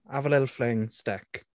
Have a little fling, stick.